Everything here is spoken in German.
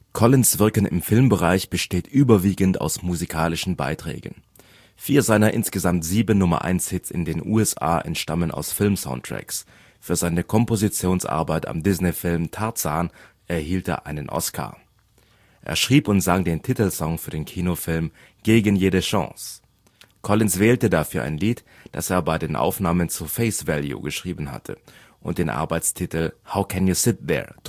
Collins ' Wirken im Filmbereich besteht überwiegend aus musikalischen Beiträgen. Vier seiner insgesamt sieben Nummer-Eins-Hits in den USA entstammen aus Film-Soundtracks, für seine Kompositionsarbeit am Disney-Film Tarzan erhielt er einen Oscar. Er schrieb und sang den Titelsong für den Kinofilm Gegen jede Chance. Collins wählte dafür ein Lied, das er bei den Aufnahmen zu Face Value geschrieben hatte und den Arbeitstitel How Can You Sit There? trug